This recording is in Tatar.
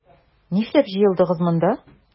Нишләп җыелдыгыз монда?